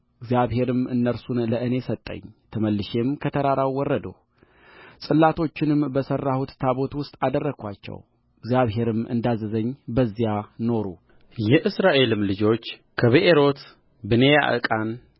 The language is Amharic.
እግዚአብሔርም እነርሱን ለእኔ ሰጠኝ ተመልሼም ከተራራው ወረድሁ ጽላቶችንም በሠራሁት ታቦት ውስጥ አደረግኋቸው እግዚአብሔርም እንዳዘዘኝ በዚያ ኖሩ የእስራኤልም ልጆች ከብኤሮት ብኔያዕቃን